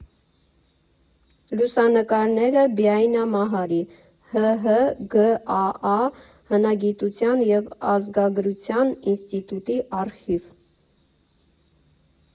Լուսանկարները՝ Բիայնա Մահարի, ՀՀ ԳԱԱ հնագիտության և ազգագրության ինստիտուտի արխիվ։